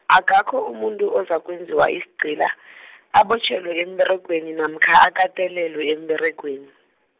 akakho umuntu ozakwenziwa isigcila , abotjhelelwe emberegweni namkha akatelelwe emberegweni.